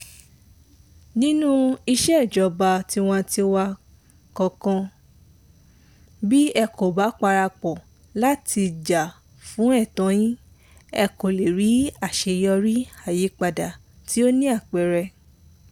Nínú ìṣèjọba tiwantiwa kankan, bí ẹ kò bá parapọ̀ láti jà fún ẹ̀tọ́ yín, ẹ kò lè ṣe àṣeyọrí àyípadà tí ó ní àpẹẹrẹ.